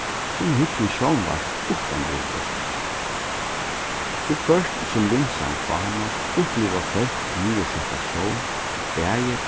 kunnu hyggja í sjónvarp uttan brillur so hvørt sum linsan kámast uppliva fólk niðursetta sjón bæði